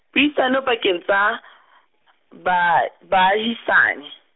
puisano pakeng tsa , ba, baahisani.